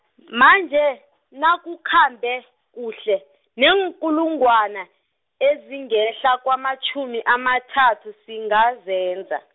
manje, nakukhambe kuhle, neenkulungwana ezingehla kwamatjhumi amathathu singazenza.